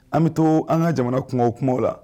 An bi to an ka jamana kungo kumaw la